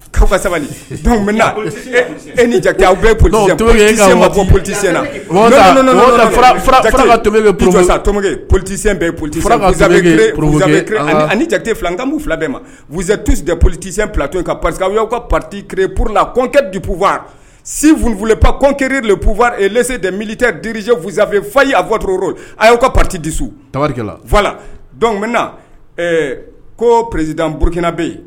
Fa sabali bɛ e ni jate poli politi senna to politi poli ani jate fila mu fila bɛ maze tusi tɛ politisiyɛn ptoye pa y'aw ka p pati kie ppurlaɔnkɛ dipufa sinfpp kɔnɔnteure de ppufas de milite ze fuzsafe fa a fɔtoro a y'aw ka p pati disu don bɛna ko peresid purukina bɛ yen